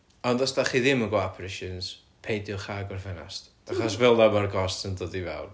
Ond os dach chi ddim yn gweld apparitions peidiwch â agor ffenast achos fel 'na ma'r ghosts yn dod i fewn